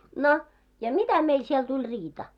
no ja mitä meille siellä tuli riita